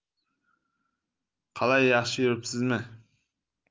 qalay yaxshi yuribsizmi